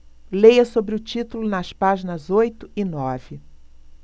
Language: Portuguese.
leia sobre o título nas páginas oito e nove